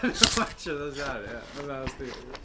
watsiad os 'di o ar ia fatha os dwi...